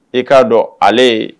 I k'a dɔn ale